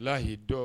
Lahiyi dɔn